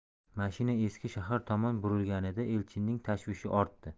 mashina eski shahar tomon burilganida elchinning tashvishi ortdi